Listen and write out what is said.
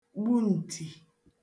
gbu ǹtì